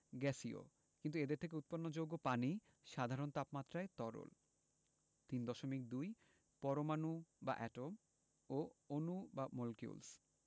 গ্যাসীয় কিন্তু এদের থেকে উৎপন্ন যৌগ পানি সাধারণ তাপমাত্রায় তরল ৩.২ পরমাণু বা এটম ও অণু বা মলিকিউলস